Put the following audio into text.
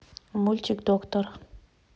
мультик доктор